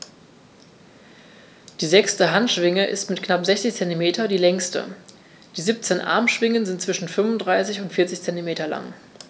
Die sechste Handschwinge ist mit knapp 60 cm die längste. Die 17 Armschwingen sind zwischen 35 und 40 cm lang.